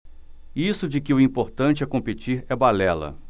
isso de que o importante é competir é balela